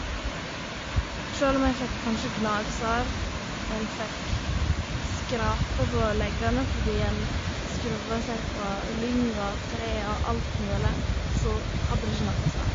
Sjøl om en fikk kanskje gnagsår, en fikk skraper på leggene fordi en skrubba seg på lyng og trær og alt mulig, så hadde det ikke noe å si.